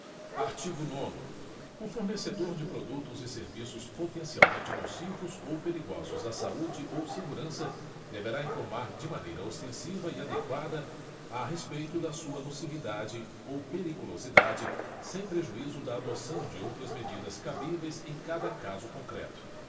artigo nono o fornecedor de produtos e serviços potencialmente nocivos ou perigosos à saúde ou segurança deverá informar de maneira ostensiva e adequada a respeito da sua nocividade ou periculosidade sem prejuízo da adoção de outras medidas cabíveis em cada caso concreto